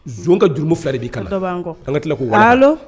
Z ka dunun fila de'i kan ka tila k ko